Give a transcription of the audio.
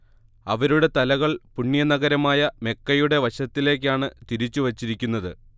അവരുടെ തലകൾ പുണ്യ നഗരമായ മെക്കയുടെ വശത്തിലേക്കാണ് തിരിച്ചു വച്ചിരിക്കുന്നത്